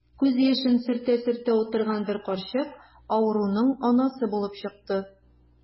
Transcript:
Күз яшен сөртә-сөртә утырган бер карчык авыруның анасы булып чыкты.